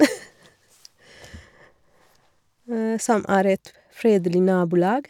Som er et fredelig nabolag.